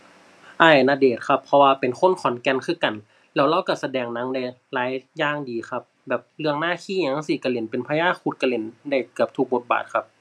อ้ายณเดชน์ครับ เพราะว่าเป็นคนขอนแก่นคือกัน แล้วเลาก็แสดงหนังได้หลายอย่างดีครับ แบบเรื่องนาคีหยังจั่งซี้ก็เล่นเป็นพญาครุฑ ก็เล่นได้เกือบทุกบทบาทครับ